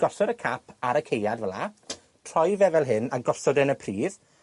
gosod y cap ar y caead fela, troi fe fel hyn a gosod yn y pridd,